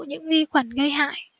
những vi khuẩn gây hại